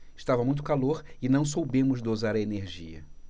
estava muito calor e não soubemos dosar a energia